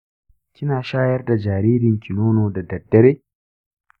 kina shayar da jaririnki nono da daddare?